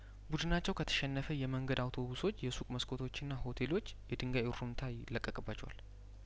ቡድናቸው ከተሸነፈ የመንገድ አውቶቡሶች የሱቅ መስኮቶችና ሆቴሎች የድንጋይ እሩምታ ይለቀቅባቸዋል